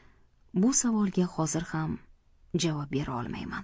bu savolga hozir ham javob bera olmayman